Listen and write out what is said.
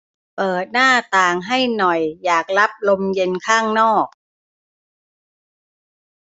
เปิดหน้าต่างให้หน่อยอยากรับลมเย็นข้างนอก